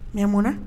Ɲa munɛ